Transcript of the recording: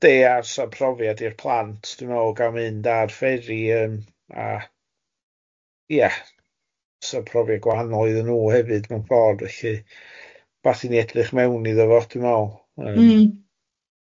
Yndi, a sa'r profiad i'r plant dwi'n meddwl o gael mynd ar fferi yym a ia sa'r profiad gwahanol iddyn nhw hefyd mewn ffordd, felly wbath i ni edrych mewn iddo fo dwi'n meddwl yym... M-hm.